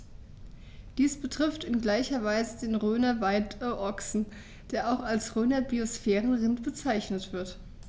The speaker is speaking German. Dies betrifft in gleicher Weise den Rhöner Weideochsen, der auch als Rhöner Biosphärenrind bezeichnet wird.